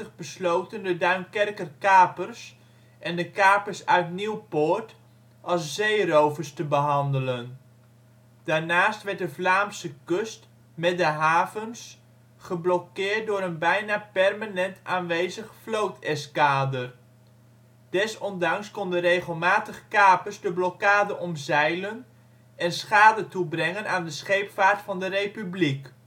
besloten de Duinkerker kapers en de kapers uit Nieuwpoort als zeerovers te behandelen. Daarnaast werd de Vlaamse kust, met de havens, geblokkeerd door een bijna permanent aanwezig vlooteskader. Desondanks konden regelmatig kapers de blokkade omzeilen en schade toebrengen aan de scheepvaart van de Republiek